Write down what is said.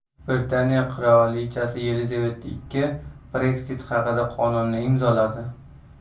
buyuk britaniya qirolichasi yelizaveta ii brekzit haqidagi qonunni imzoladi